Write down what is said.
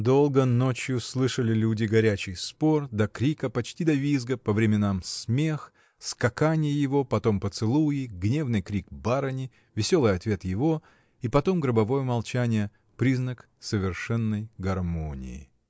Долго ночью слышали люди горячий спор, до крика, почти до визга, по временам смех, скаканье его, потом поцелуи, гневный крик барыни, веселый ответ его — и потом гробовое молчание, признак совершенной гармонии.